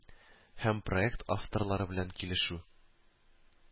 Һәм проект авторлары белән килешү